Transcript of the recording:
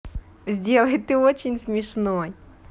сделай ты очень смешной